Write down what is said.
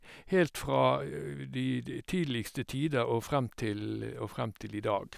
Helt fra de de tidligste tider og frem til og frem til i dag.